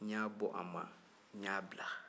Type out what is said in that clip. n y'a bɔ a ma n y'a bila